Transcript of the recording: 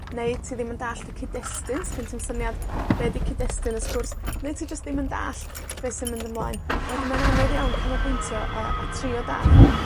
Neu ti ddim yn dallt y cyd-destun. 'Sgyn ti'm syniad be' 'di cyd-destun y sgwrs. Neu ti jyst ddim yn dallt be' sy'n mynd ymlaen, a wedyn mae'n anodd iawn canolbwyntio, a, a trio dallt